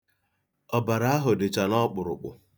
Ọbara ahụ dịcha n'ọkpụrụkpụ.